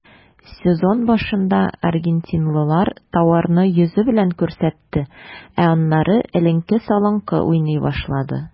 Сезон башында аргентинлылар тауарны йөзе белән күрсәтте, ә аннары эленке-салынкы уйный башлады.